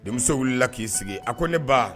Denmuso wulila k'i sigi a ko ne ba